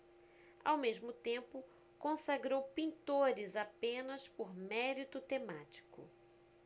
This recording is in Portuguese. ao mesmo tempo consagrou pintores apenas por mérito temático